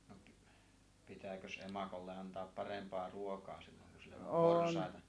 no pitääkös emakolle antaa parempaa ruokaa silloin kun sillä on porsaita